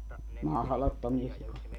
mahdottomia sikoja